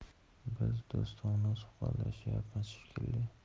biz do'stona suhbatlashyapmiz shekilli